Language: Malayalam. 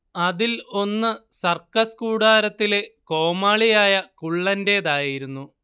അതിൽ ഒന്ന് സർക്കസ് കൂടാരത്തിലെ കോമാളിയായ കുള്ളന്റേതായിരുന്നു